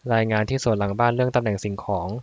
รายงานที่สวนหลังบ้านเรื่องตำแหน่งสิ่งของ